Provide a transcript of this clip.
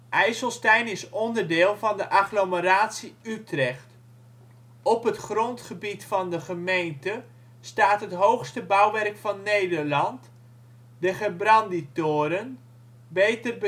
IJsselstein is onderdeel van de agglomeratie Utrecht. Op het grondgebied van de gemeente staat het hoogste bouwwerk van Nederland: de Gerbrandytoren, beter